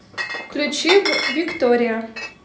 включи в виктория